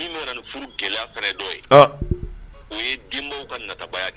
Ni min min ni furu gɛlɛya fɛɛrɛ dɔ ye o ye denbaw ka natabayaya ye